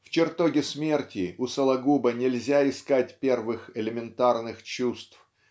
В чертоге смерти у Сологуба нельзя искать первых элементарных чувств